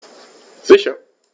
Sicher.